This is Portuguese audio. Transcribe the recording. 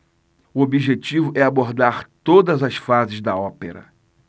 o objetivo é abordar todas as fases da ópera